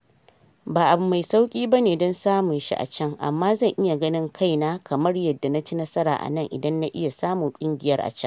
"Ba abu mai sauki ba ne don samun shi a can, amma zan iya ganin kai na kamar yadda na ci nasara a nan idan na iya samun kungiyar a can."